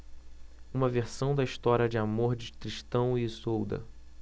uma versão da história de amor de tristão e isolda